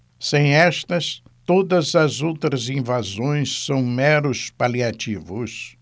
sem estas todas as outras invasões são meros paliativos